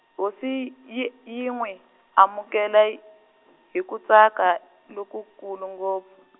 hosi yi yi n'wi, amukela h- , hi ku tsaka lokukulu ngop- .